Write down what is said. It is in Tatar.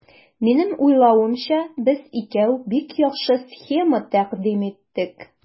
Минем уйлавымча, без икәү бик яхшы схема тәкъдим иттек.